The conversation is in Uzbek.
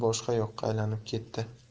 boshqa yoqqa aylanib ketdi